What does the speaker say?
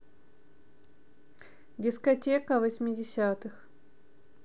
дискотека восмидесятых